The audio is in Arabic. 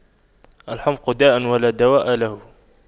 الحُمْقُ داء ولا دواء له